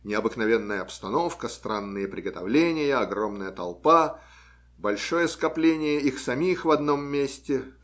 необыкновенная обстановка, странные приготовления, огромная толпа, большое скопление их самих в одном месте